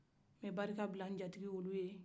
nbɛ barika bila njatigi olu ye